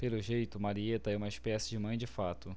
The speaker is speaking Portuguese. pelo jeito marieta é uma espécie de mãe de fato